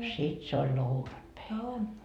sitten se oli lounatpäivä